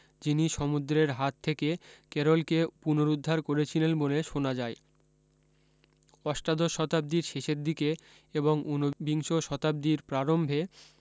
যিনি সমুদ্রের হাত থেকে কেরলকে পুনরুদ্ধার করেছিলেন বলে শোনা যায় অষ্টাদশ শতাব্দীর শেষের দিকে এবং উনবিংশ শতাব্দীর প্রারম্ভে